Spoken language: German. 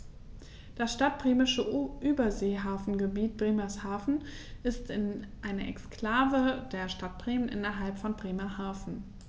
Das Stadtbremische Überseehafengebiet Bremerhaven ist eine Exklave der Stadt Bremen innerhalb von Bremerhaven.